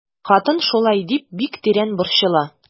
Хатын шулай дип бик тирән борчыла.